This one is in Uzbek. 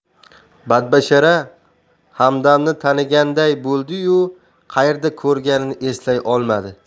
badbashara hamdamni taniganday bo'ldi yu qaerda ko'rganini eslay olmadi